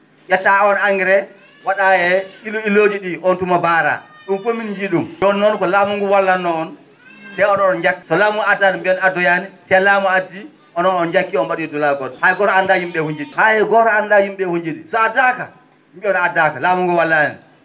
?ettaa on engrais wa?aa e ilo ilooji ?ii on tuma baaraa ?um fof min njiyii ?um jooni noon ko laamu nguu wallat noo on te o?on njakka so laamu addaani biyen addoyaani te laamu addii onon on njakkii on mba?ii dulaa go??o hay gooto anndaa ko yim?e ?ee nji?i hay gooto anndaa yim?e ?ee ko nji?i so addaaka mbiyon addaaka laamu nguu wallaani